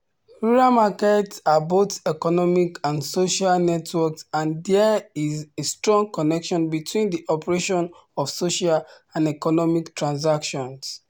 Rural markets are both economic and social networks and there is a strong connection between the operation of social and economic transactions.